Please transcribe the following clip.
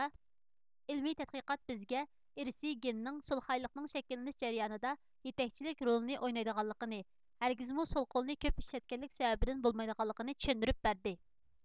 ئىلمىي تەتقىقات بىزگە ئىرسىي گېننىڭ سولخايلىقنىڭ شەكىللىنىش جەريانىدا يېتەكچىلىك رولىنى ئوينايدىغانلىقىنى ھەرگىزمۇ سول قولىنى كۆپ ئىشلەتكەنلىك سەۋەبىدىن بولمايدىغانلىقىنى چۈشەندۈرۈپ بەردى